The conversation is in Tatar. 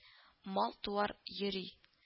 Мал-туар йөри